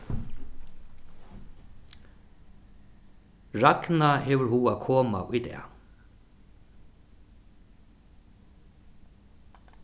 ragna hevur hug at koma í dag